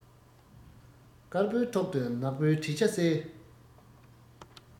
དཀར པོའི ཐོག ཏུ ནག པོའི བྲིས ཆ གསལ